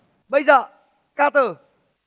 bây giờ ca từ